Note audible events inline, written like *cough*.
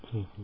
*hesitation* *hesitation*